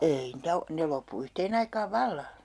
ei niitä ole ne loppui yhteen aikaan vallan